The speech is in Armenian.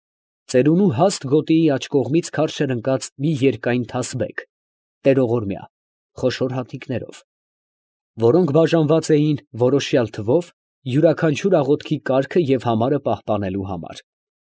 Ծերունու հաստ գոտիի աջ կողմից քարշ էր ընկած մի երկայն թասբեկ (տերողորմյա) խոշոր հատիկներով, որոնք բաժանված էին որոշյալ թվով յուրաքանչյուր աղոթքի կարգը և համարը պահպանելու համար։